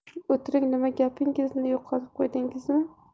o'tiring nima gapingizni yo'qotib qo'ydingizmi